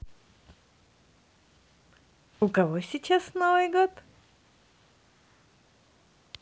у кого сейчас новый год